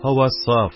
Һава саф